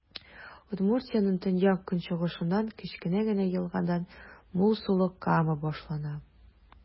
Удмуртиянең төньяк-көнчыгышыннан, кечкенә генә елгадан, мул сулы Кама башлана.